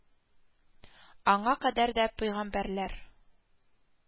Аңа кадәр дә пәйгамбәрләр